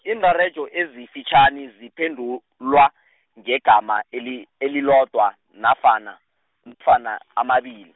iinrarejo ezifitjhani ziphendulwa, ngegama eli- elilodwa nafana, -fana amabili.